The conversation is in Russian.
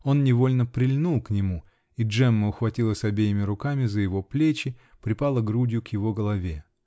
он невольно прильнул к нему -- и Джемма ухватилась обеими руками за его плечи, припала грудью к его голове.